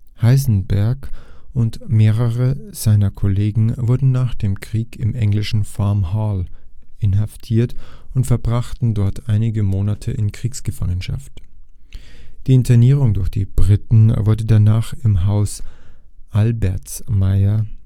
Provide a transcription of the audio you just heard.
Heisenberg und mehrere seiner Kollegen wurden nach dem Krieg im englischen Farm Hall inhaftiert und verbrachten dort einige Monate in Kriegsgefangenschaft. Die Internierung durch die Briten wurde danach im Haus Albersmeyer